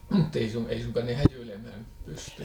mutta ei suinkaan ne häijyilemään pystynyt